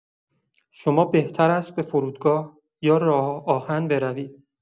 شما بهتر است به فرودگاه یا راه‌آهن بروید.